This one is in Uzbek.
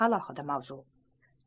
bu alohida mavzu